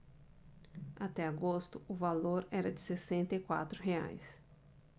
até agosto o valor era de sessenta e quatro reais